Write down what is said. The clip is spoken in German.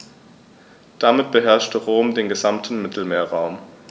Damit beherrschte Rom den gesamten Mittelmeerraum.